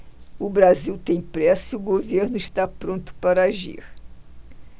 o brasil tem pressa e o governo está pronto para agir